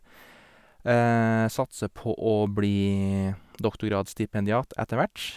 Jeg satser på å bli doktorgradsstipendiat etter hvert.